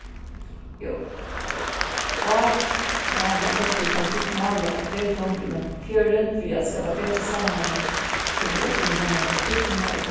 ár hava høvdu teir flutt málið eitt vet longur inn á fjørðin fyri at skapa betri samanhang millum upplivingarnar á bryggjuni og